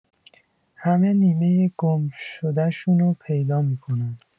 همه نیمۀ گم شدشونو پیدا می‌کنن